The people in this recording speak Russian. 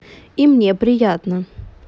и мне приятно